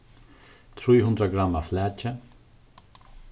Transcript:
trý hundrað gramm av flaki